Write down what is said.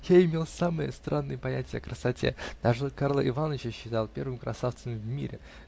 Я имел самые странные понятия о красоте -- даже Карла Иваныча считал первым красавцем в мире